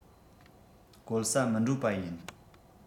བཀོལ ས མི འགྲོ པ ཡིན